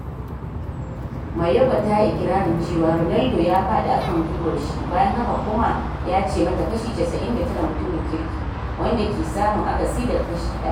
Mayorga tayi ikirari cewa Ronaldo ya faɗi akan gwiwan shi bayan hakan kuma ya ce mata “kashi 99” “mutumin kirki” wanda ke samun akasi daga “kashi ɗaya”.